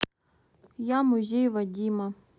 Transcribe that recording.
я музей вадима